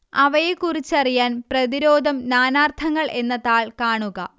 അവയെക്കുറിച്ചറിയാൻ പ്രതിരോധം നാനാര്ത്ഥങ്ങൾ എന്ന താൾ കാണുക